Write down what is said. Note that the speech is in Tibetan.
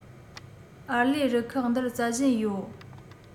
ཨར ལས རུ ཁག འདིར བཙལ བཞིན ཡོད